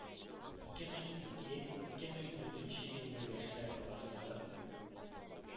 Ике мең ике, ике мең дүртенче елгы яшьләр арасында